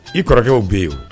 I kɔrɔkɛw bɛ yen wo.